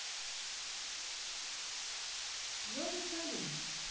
клевый парень